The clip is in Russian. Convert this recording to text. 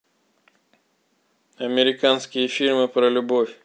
американские фильмы про любовь